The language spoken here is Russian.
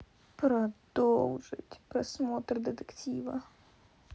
продолжить просмотр детектива